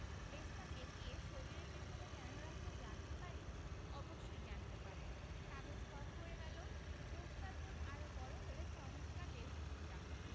লেজটা বেঁকিয়ে শরীরের পেছনে কেন রাখল জানতে পারি অবশ্যই জানতে পারেন কাগজ কম পড়ে গেল পোস্টার বোর্ড আয়ে বড় হলে চমৎকার লেজ দিতাম